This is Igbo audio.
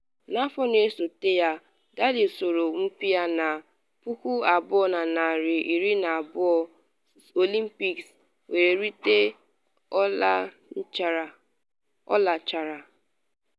N’afọ na-esote ya, Daley sọrọ mpi na 2012 Olympics were rite ọla nchara.